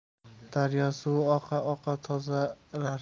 daryo suvi oqa oqa tozarar